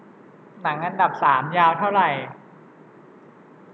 หนังอันดับสามยาวเท่าไหร่